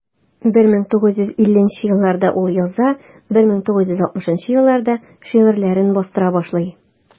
1950 елларда ул яза, 1960 елларда шигырьләрен бастыра башлый.